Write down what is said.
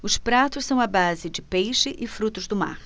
os pratos são à base de peixe e frutos do mar